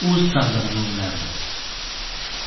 uz taqdirini uylardi